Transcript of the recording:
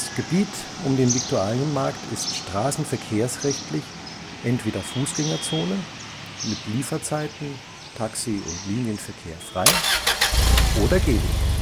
Gebiet um den Viktualienmarkt ist straßenverkehrsrechtlich entweder Fußgängerzone (mit Lieferzeiten; Taxi und Linienverkehr frei) oder Gehweg